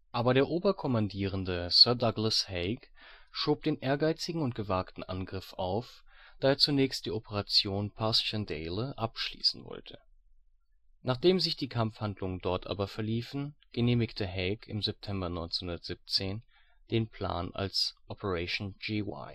Aber der Oberkommandierende, Sir Douglas Haig, schob den ehrgeizigen und gewagten Angriff auf, da er zunächst die Operationen Passchendaele (dritte Flandernschlacht) abschließen wollte. Nachdem sich die Kampfhandlungen dort aber verliefen, genehmigte Haig im September 1917 den Plan als Operation GY